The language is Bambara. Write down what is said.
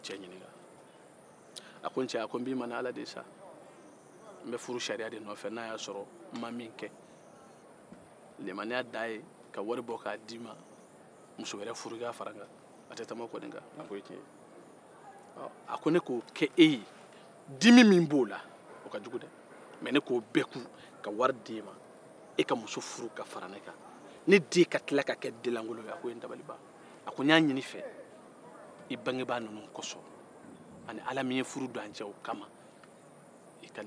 a ko n cɛ a ko n b'i ma n'ala de ye sa n bɛ furusariya de nɔfɛ n ma min kɛ limaniya dan ye ka wari bɔ k'a d'i ma muso wɛrɛ furu i k'a fara n kan a te tɛmɛ o kɔni kan a k'o ye tiɲɛn ye ɔ a ko ne k'o kɛ e ye dimi min b'o la o ka jugu dɛ mɛ ne k'o bɛɛ kun ka wari d'e ma e ka muso furu ka fara ne kan ne den ka tila ka kɛ denlankolo a k'o ye n dabali ban a ko n y'a ɲin'i fɛ i bangabaa ninnu kɔsɔ ala min ye furu don an cɛ o kama i ka nin tiɲɛn fɔ n ye